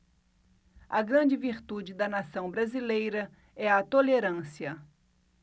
a grande virtude da nação brasileira é a tolerância